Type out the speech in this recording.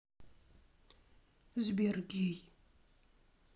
сбер гей